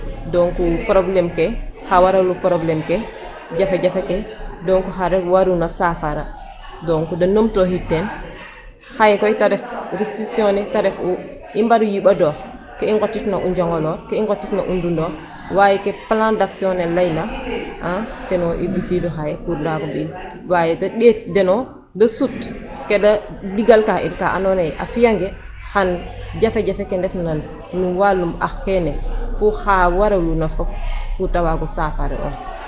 Donc problème ke xa waralu problème ke jafe jafe ke donc xa warun o safara donc da numtooxiid ten xaye koy ta ref décision ta ref'u i mbaro yiɓaɗoox ke i nqotitna o Njongolor, ke i nqotitna o Ndoundokh waye ke plan d' action ne layna teno i ɓisiidu xaye pour mbaag o mbi'in waye da ɗeet deno da sut ke da njalta in ka andoona yee a fi'angee xan jafe jefe ke ndefna no walum ax kene fo xa waraluno fop pour waago safara'oox.